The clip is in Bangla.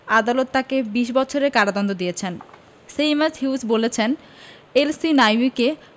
আদালত তাকে ২০ বছরের কারাদণ্ড দিয়েছেন সেইমাস হিউজ বলছেন এলসহিনাউয়িকে